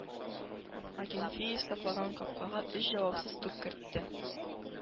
Акинфеев саклаган капкага өч җавапсыз туп кертте.